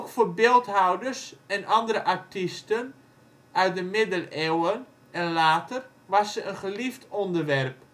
voor beeldhouwers en andere artiesten uit de middeleeuwen en later was ze een geliefd onderwerp